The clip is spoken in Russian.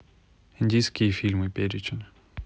индийские фильмы перечень